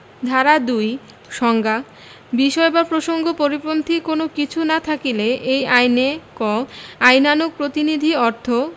ধারা ২ সংজ্ঞা বিষয় বা প্রসঙ্গের পরিপন্থী কোন কিছু না থাকিলে এই আইনে ক আইনানুগ প্রতিনিধি অর্থ